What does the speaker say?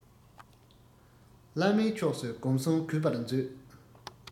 བླ མའི ཕྱོགས སུ སྒོམ གསུམ གུས པར མཛོད